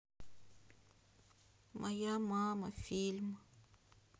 моя мама фильм